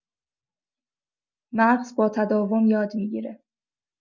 مغز با تداوم یاد می‌گیره.